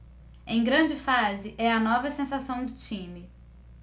em grande fase é a nova sensação do time